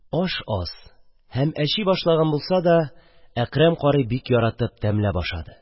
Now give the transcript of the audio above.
Аш аз һәм әчи башлаганрак булса да, Әкрәм карый бик яратып, тәмләп ашады